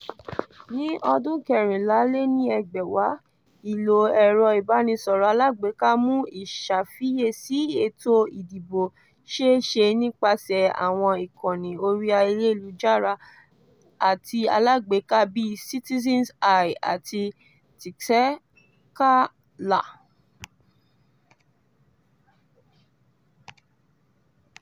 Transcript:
Ní ọdún 2014, ìlò ẹ̀rọ ìbánisọ̀rọ̀ alágbèéká mú ìṣàfiyèsí ètò ìdìbò ṣeéṣe nípasẹ̀ àwọn ìkànnì orí ayélujára àti alágbèéká bíi Citizen's Eye àti Txeka-lá.